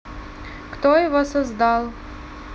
а кто его создал